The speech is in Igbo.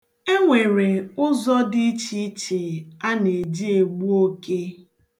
E nwere ụzọ dị ichiiche a na-eji egbu oke.